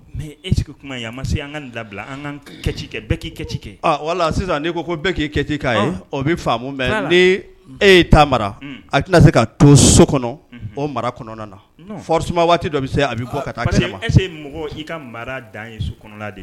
Mɛ ese kuma ye yan ma se an ka labila an ka kɛ kɛ bɛɛ k'i kɛkɛ wala sisan n ko ko bɛɛ k'i kɛ k'a ye o bɛ e ye ta mara a tɛna se k' to so kɔnɔ o mara kɔnɔna na fɔ suma waati dɔ bɛ se a bɛ cɛ ma ese mɔgɔ' ka mara dan ye su kɔnɔ de ye